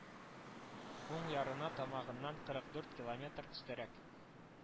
Уң ярына тамагыннан кырык дүрт километр өстәрәк